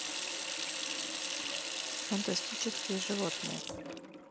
фантастические животные